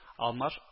Алмаш